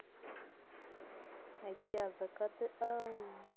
найти а закаты алые